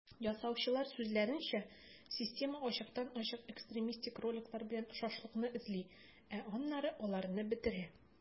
Ясаучылар сүзләренчә, система ачыктан-ачык экстремистик роликлар белән охшашлыкны эзли, ә аннары аларны бетерә.